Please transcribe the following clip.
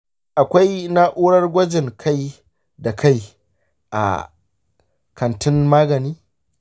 shin akwai na’urar gwajin kai da kai a kantin magani?